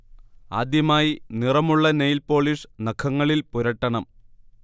ആദ്യമായി നിറമുള്ള nail polish നഖങ്ങളിൽ പുരട്ടണം